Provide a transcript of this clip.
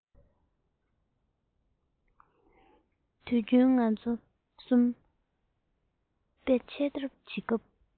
དུས རྒྱུན ང ཚོ གསུམ པྲ ཆལ འདྲ བྱེད སྐབས